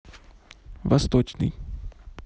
восточный